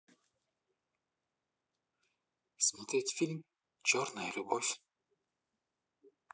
смотреть фильм черная любовь